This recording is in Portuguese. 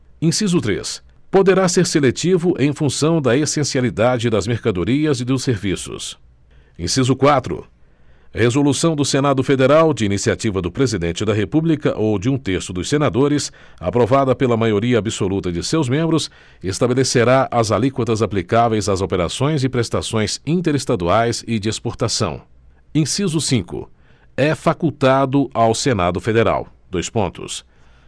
inciso três poderá ser seletivo em função da essencialidade das mercadorias e dos serviços inciso quatro resolução do senado federal de iniciativa do presidente da república ou de um terço dos senadores aprovada pela maioria absoluta de seus membros estabelecerá as alíquotas aplicáveis às operações e prestações interestaduais e de exportação inciso cinco é facultado ao senado federal dois pontos